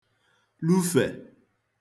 lufè